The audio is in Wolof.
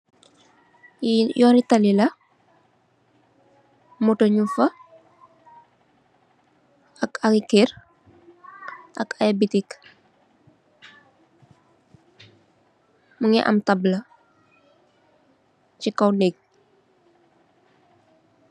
Yi yooni tali, moto nung fa ak ay kër, ak ay bitik mungi am taabla ci kaw nèeg bi.